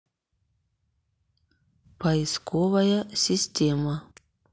поисковая система